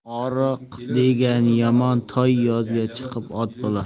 oriq degan yomon toy yozga chiqib ot bo'lar